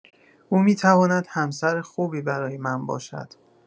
او می‌تواند همسر خوبی برای من باشد.